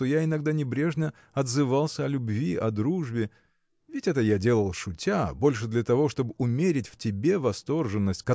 что я иногда небрежно отзывался о любви о дружбе. Ведь это я делал шутя больше для того чтоб умерить в тебе восторженность